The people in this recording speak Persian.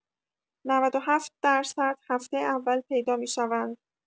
۹۷ درصد هفته اول پیدا می‌شوند.